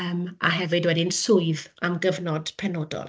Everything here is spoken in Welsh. yym a hefyd wedyn swydd am gyfnod penodol.